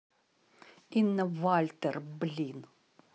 инна вальтер блин